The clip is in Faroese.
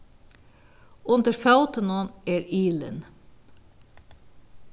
undir fótinum er ilin